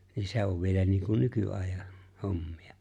niin se on vielä niin kuin nykyajan hommia